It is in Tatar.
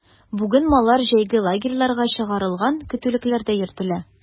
Бүген маллар җәйге лагерьларга чыгарылган, көтүлекләрдә йөртелә.